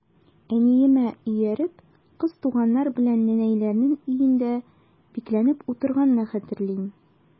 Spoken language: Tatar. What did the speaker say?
Әниемә ияреп, кыз туганнар белән нәнәйләрнең өендә бикләнеп утырганны хәтерлим.